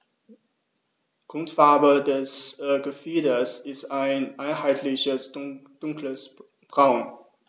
Grundfarbe des Gefieders ist ein einheitliches dunkles Braun.